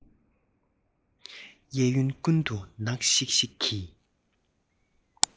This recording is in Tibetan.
གཡས གཡོན ཀུན ཏུ ནག ཤིག ཤིག གི